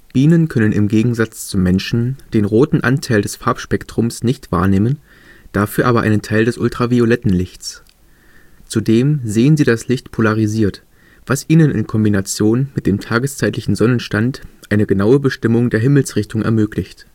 Bienen können im Gegensatz zum Menschen den roten Anteil des Farbspektrums nicht wahrnehmen, dafür aber einen Teil des ultravioletten Lichts. Zudem sehen sie das Licht polarisiert, was ihnen in Kombination mit dem tageszeitlichen Sonnenstand eine genaue Bestimmung der Himmelsrichtung ermöglicht